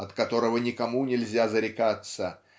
от которого никому нельзя зарекаться